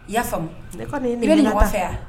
I y'a faamumu .